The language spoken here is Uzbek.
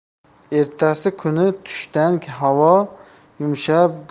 ertasi kuni tushdan havo yumshab